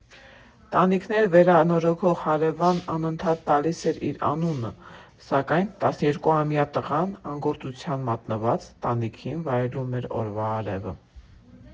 Տանիքներ վերանորոգող հարևանն անընդհատ տալիս էր իր անունը, սակայն տասներկուամյա տղան անգործության մատնված տանիքին վայելում էր օրվա արևը։